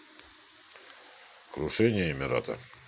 крушение эмирата